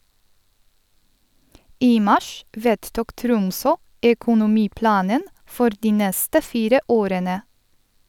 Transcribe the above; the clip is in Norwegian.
I mars vedtok Tromsø økonomiplanen for de neste fire årene.